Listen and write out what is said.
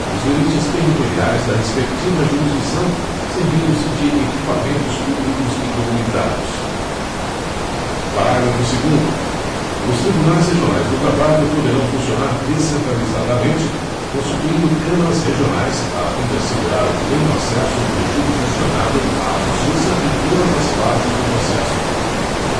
nos limites territoriais da respectiva jurisdição servindo se de equipamentos públicos e comunitários parágrafo segundo os tribunais regionais do trabalho poderão funcionar descentralizadamente constituindo câmaras regionais a fim de assegurar o pleno acesso do jurisdicionado à justiça em todas as fases do processo